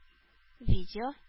Видео